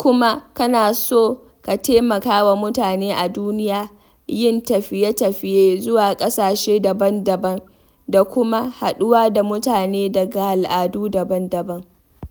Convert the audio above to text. kuma kana so ka taimakawa mutane a duniya, yin tafiye-tafiye zuwa ƙasashe daban-daban, da kuma haɗuwa da mutane daga al’adu daban-daban.